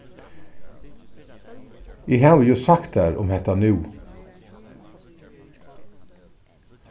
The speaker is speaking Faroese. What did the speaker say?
eg havi júst sagt tær um hetta nú